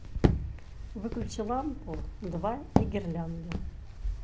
выключи лампу два и гирлянду